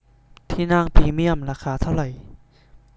ที่นั่งพรีเมี่ยมราคาเท่าไหร่